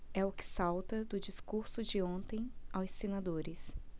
é o que salta do discurso de ontem aos senadores